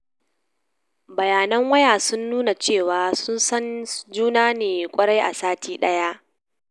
bayanan waya sun nuna cewa sun san juna ne kawai a sati daya.